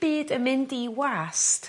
byd yn mynd i wast